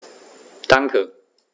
Danke.